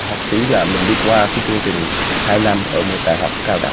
học phí là mình đi qua khi chương trình hai năm ở một đại học cao đẳng